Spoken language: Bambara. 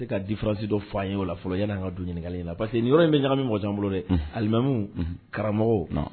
A ka diransi dɔ o la fɔlɔ ka don ɲininkaka na parceseke in bɛ ɲami mɔgɔjan bolo dɛlimamu karamɔgɔ